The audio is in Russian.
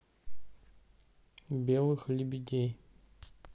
белых лебедей